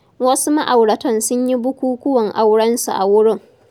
Wasu ma'auratan sun yi bukukuwan aurensu a wurin.